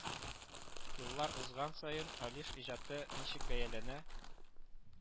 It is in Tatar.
Еллар узган саен, Алиш иҗаты ничек бәяләнә